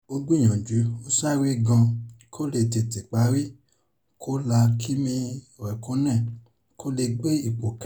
Ó gbìyànjú, ó sáré gan-an kó lè tètè parí, kó la Kimi Raikkonen kó lè gbé ipò kẹrin.